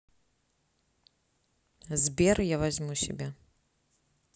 сбер я возьму себе